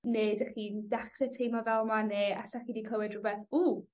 ne' 'dych chi'n dechre teimlo fel 'ma ne' allach chi 'di clywed rwbeth ww